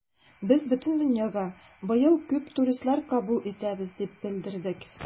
Без бөтен дөньяга быел күп туристлар кабул итәбез дип белдердек.